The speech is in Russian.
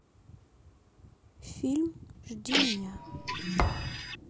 фильм жди меня